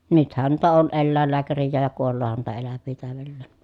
nythän noita on eläinlääkärejäkin ja kuoleehan noita eläviä täydelleen